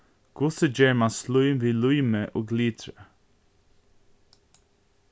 hvussu ger mann slím við lími og glitri